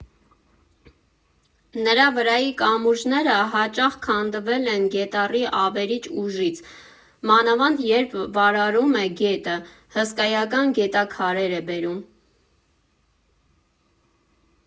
Նրա վրայի կամուրջները հաճախ քանդվել են Գետառի ավերիչ ուժից, մանավանդ, երբ վարարում է գետը, հսկայական գետաքարեր է բերում։